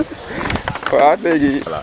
wa leegi